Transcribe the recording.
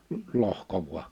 mutta lohkoi vain